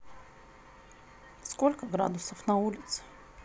сколько градусов на улице